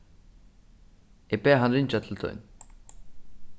eg bað hann ringja til tín